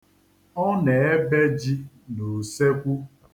O na-ebe ji n'usekwu.